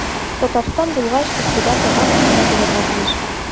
Татарстан булгач игътибар татар теленә булырга тиеш.